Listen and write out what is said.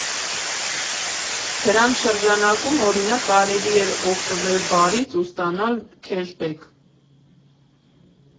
Դրանց շրջանակում, օրինակ, կարելի էր օգտվել բարից ու ստանալ քեշբեք։